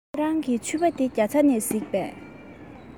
ཁྱེད རང གི ཕྱུ པ དེ རྒྱ ཚ ནས གཟིགས པས